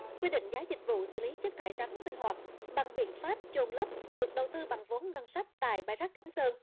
quy định giá dịch vụ xử lý chất thải rắn sinh hoạt bằng biện pháp chôn lấp được đầu tư bằng vốn ngân sách tại bãi rác khánh sơn